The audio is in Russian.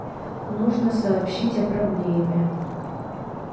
нужно сообщить о проблеме